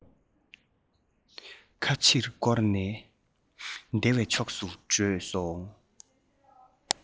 ཁ ཕྱིར བསྐོར ནས སྡེ བའི ཕྱོགས སུ བྲོས སོང